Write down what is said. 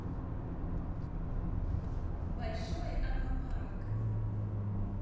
большой аквапарк